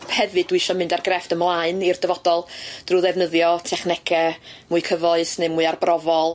Hefyd dwi isio mynd â'r grefft ymlaen i'r dyfodol drw ddefnyddio technege mwy cyfoes ne' mwy arbrofol.